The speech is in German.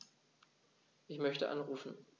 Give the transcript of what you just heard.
Ich möchte anrufen.